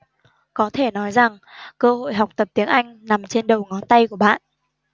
có thể nói rằng cơ hội học tập tiếng anh nằm trên đầu ngón tay của bạn